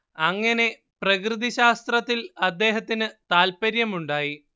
അങ്ങനെ പ്രകൃതി ശാസ്ത്രത്തിൽ അദ്ദേഹത്തിന് താല്പര്യമുണ്ടായി